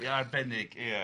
Ia arbennig ia.